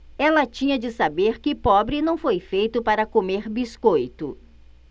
ela tinha de saber que pobre não foi feito para comer biscoito